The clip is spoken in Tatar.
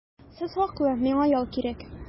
Сез хаклы, миңа ял кирәк.